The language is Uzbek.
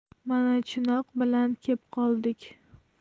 mana chinoq bilan kep qoldik